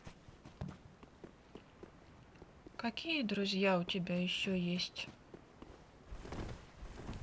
какие друзья у тебя еще есть